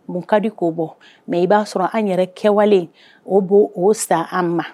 Mun kadi k'o bɔ mais i b'a sɔrɔ an yɛrɛ kɛwale o b'o o sa an ma